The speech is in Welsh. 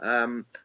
Yym.